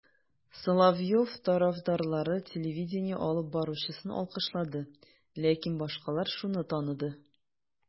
Соловьев тарафдарлары телевидение алып баручысын алкышлады, ләкин башкалар шуны таныды: